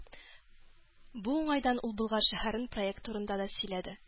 Бу уңайдан ул Болгар шәһәрен проект турында да сөйләде.